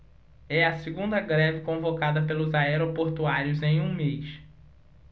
é a segunda greve convocada pelos aeroportuários em um mês